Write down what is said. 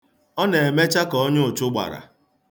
Ọ na-emecha ka onye ụchụ gbara.